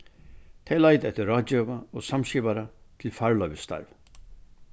tey leita eftir ráðgeva og samskipara til farloyvisstarv